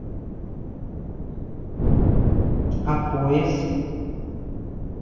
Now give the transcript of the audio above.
а пояс